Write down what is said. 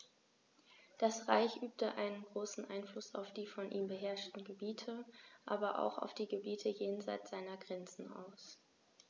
Das Reich übte einen großen Einfluss auf die von ihm beherrschten Gebiete, aber auch auf die Gebiete jenseits seiner Grenzen aus.